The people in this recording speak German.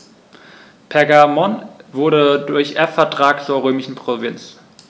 Pergamon wurde durch Erbvertrag zur römischen Provinz.